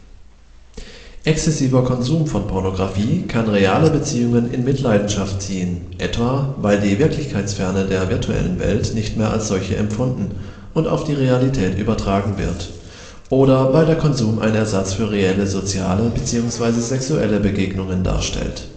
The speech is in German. Exzessiver Konsum von Pornografie kann reale Beziehungen in Mitleidenschaft ziehen, etwa, weil die Wirklichkeitsferne der virtuellen Welt nicht mehr als solche empfunden und auf die Realität übertragen wird oder weil der Konsum ein Ersatz für reelle soziale bzw. sexuelle Begegnungen darstellt